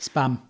Spam.